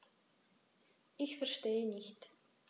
Ich verstehe nicht.